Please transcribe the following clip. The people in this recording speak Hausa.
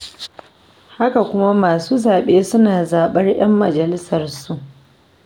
Haka kuma, masu zaɓe suna zaɓar 'yan majalisarsu.